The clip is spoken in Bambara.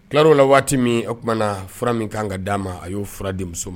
U tilla l'o waati min o tumana fura min ka kan ka d'a ma a y'o fura di nmuso ma.